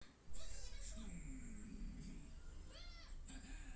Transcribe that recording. вот и матвей калиненко о тебе